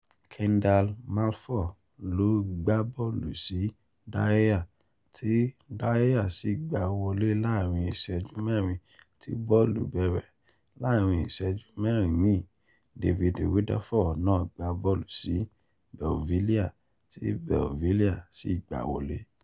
Kendall McFaull ló gbá bọ́ọ̀lù sí Dwyer, tí Dwyer sì gba wọle láàrin ìṣẹ́jú mẹ́rin tí bọ́ọ̀lù bẹ̀rẹ̀. Láàrin ìṣẹ́jú mẹ́rin mìíì, David Rutherford náà gbá bọ́ọ̀lù sí Beauvillier, tí Beauvillier sì gba wọlé.